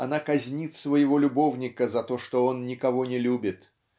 она казнит своего любовника за то что он никого не любит.